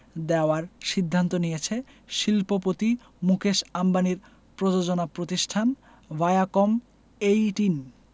দেওয়ার সিদ্ধান্ত নিয়েছে শিল্পপতি মুকেশ আম্বানির প্রযোজনা প্রতিষ্ঠান ভায়াকম এইটিন